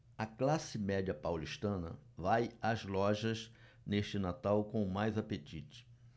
a classe média paulistana vai às lojas neste natal com mais apetite